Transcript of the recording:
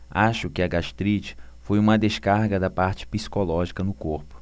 acho que a gastrite foi uma descarga da parte psicológica no corpo